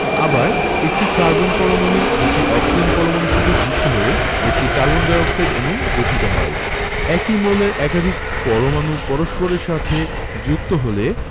আবার একটি কার্বন পরমাণু দুটি অক্সিজেন পরমাণুর সাথে যুক্ত হয়ে একটি কার্বন ডাই অক্সাইড অণু গঠিত হয় একই মৌলের একাধিক পরমাণু পরস্পরের সাথে যুক্ত হলে